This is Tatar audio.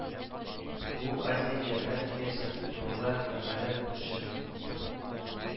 Бу Азия географиясе турында мәкалә төпчеге